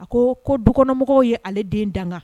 A ko ko dukɔnɔmɔgɔw ye ale den danga